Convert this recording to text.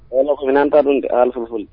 Tɛmɛn ta dun fu